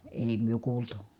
ei me kuultu